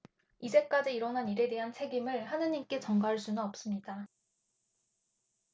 이제까지 일어난 일에 대한 책임을 하느님에게 전가할 수는 없습니다